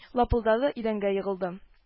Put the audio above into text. Лапылдады идәнгә егылды